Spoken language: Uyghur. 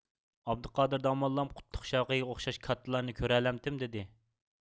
ئابدۇقادىر داموللام قۇتلۇق شەۋقىگە ئوخشاش كاتتىلارنى كۆرەلەمتىم دېدى